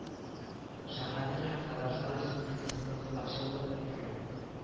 Шәһәрнең һәм татарстан республикасының кунакчыллыгы билгеле